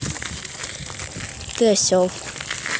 ты осел